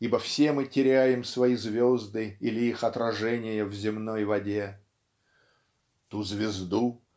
Ибо все мы теряем свои звезды или их отражения в земной воде Ту звезду